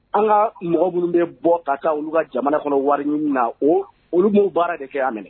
An ka mɔgɔ minnu bɛ bɔ ka taa olu ka jamana kɔnɔ wari minnu na o oluu baara de kɛ'a minɛ